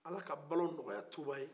ala ka balo nɔkɔya tuba ye